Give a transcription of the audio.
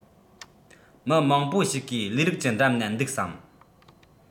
མི མང པོ ཞིག གིས ལས རིགས ཀྱི འགྲམ ན འདུག བསམ